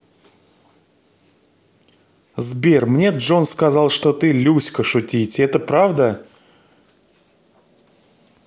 сбер мне джон сказал что ты люська шутить это правда